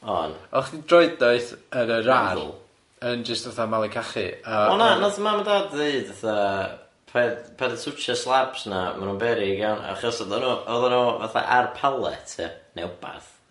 O'n. O' chdi'n droed noeth yn y rar yn jyst fatha malu cachu a... O na nath mam a dad ddeud fatha paid paid a twtsiad slabs 'na ma' nw'n beryg iawn achos oddan n'w oddan n'w fatha ar pallet ia ne wbath... Ia...